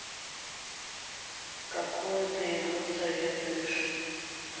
какую ты игру советуешь